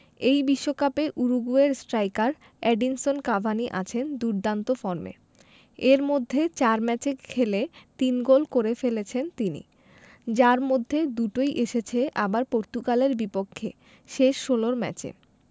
এই বিশ্বকাপে উরুগুয়ের স্ট্রাইকার এডিনসন কাভানি আছেন দুর্দান্ত ফর্মে এর মধ্যে ৪ ম্যাচে খেলে ৩ গোল করে ফেলেছেন তিনি যার মধ্যে দুটোই এসেছে আবার পর্তুগালের বিপক্ষে শেষ ষোলোর ম্যাচে